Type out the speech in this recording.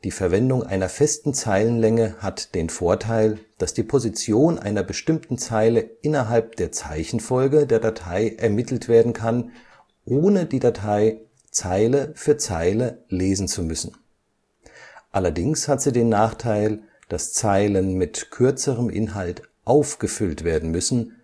Verwendung einer festen Zeilenlänge hat den Vorteil, dass die Position einer bestimmten Zeile innerhalb der Zeichenfolge (Bytefolge) der Datei ermittelt werden kann, ohne die Datei Zeile für Zeile lesen zu müssen. Allerdings hat sie den Nachteil, dass Zeilen mit kürzerem Inhalt „ aufgefüllt “werden müssen